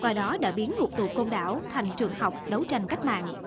qua đó đã biến ngục tù côn đảo thành trường học đấu tranh cách mạng